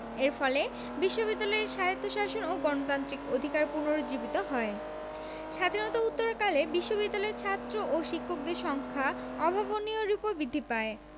এর ফলে বিশ্ববিদ্যালয়ের স্বায়ত্তশাসন ও গণতান্ত্রিক অধিকার পুনরুজ্জীবিত হয় স্বাধীনতা উত্তরকালে বিশ্ববিদ্যালয়ের ছাত্র ও শিক্ষকদের সংখ্যা অভাবনীয়রূপে বৃদ্ধি পায়